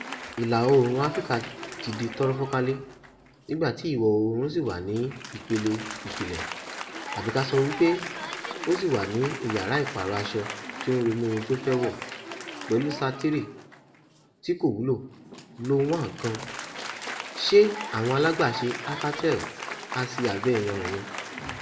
Ìlà oòrùn Áfíríkà ti di tọ́rọ́ fọ́n kálẹ̀... Nígbà tí ìwọ oòrùn Áfíríkà sì wà ní ìpele ìpìlẹ̀ (àbí ká sọ wí pé ó sì wà ní ìyára ìpàrọ̀ aṣọ tí ó ń ronú ohun tí ó fẹ́ wọ̀) pẹ̀lú SAT-3 tí kò wúlò, GLO-1 kan (ṣé àwọn alágbàṣe Alcatel há sí abẹ́ iyanrìn ni?)